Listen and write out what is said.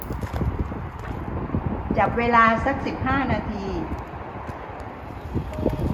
จับเวลาสักสิบห้านาที